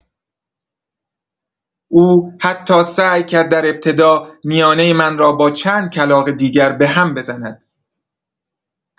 او حتی سعی کرد در ابتدا میانه من را با چند کلاغ دیگر به‌هم بزند.